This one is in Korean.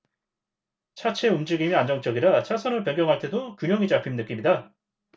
차체 움직임이 안정적이라 차선을 변경할 때도 균형이 잡힌 느낌이다